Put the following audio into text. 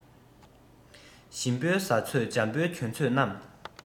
ཞིམ པོའི ཟ ཚོད འཇམ པོའི གྱོན ཚོད རྣམས